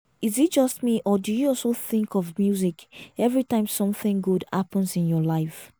Is it just me or do you also think of music every time something good happens in your life.